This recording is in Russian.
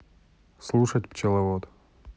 слушать пчеловод